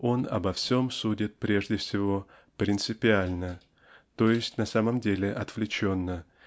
он обо всем судит прежде всего "принципиально" т. е. на самом деле отвлеченно